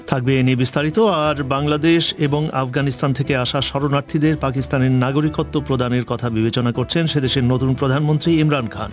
থাকবে এ নিয়ে বিস্তারিত আর বাংলাদেশ এবং আফগানিস্তান থেকে আসা শরণার্থীদের পাকিস্তানের নাগরিকত্ব প্রধান কথা বিবেচনা করছেন সে দেশের নতুন প্রধানমন্ত্রী ইমরান খান